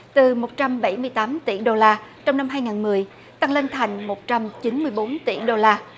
từ một trăm bảy mươi tám tỷ đô la trong năm hai ngàn mười tăng lên thành một trăm chín mươi bốn tỷ đô la